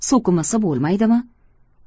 so'kinmasa bo'lmaydimi